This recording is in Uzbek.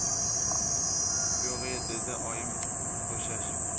yo'g' e dedi oyim bo'shashib